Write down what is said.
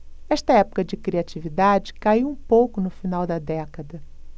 esta época de criatividade caiu um pouco no final da década